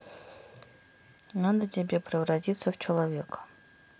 надо тебе превратиться в человека